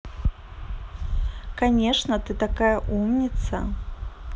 конечно ты такая умница